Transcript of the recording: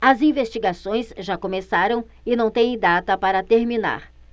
as investigações já começaram e não têm data para terminar